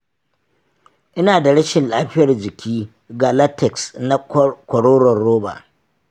ina da rashin lafiyar jiki ga latex na kwaroron roba.